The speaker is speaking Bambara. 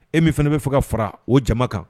E min fana bɛ fɛ ka fara o jama kan.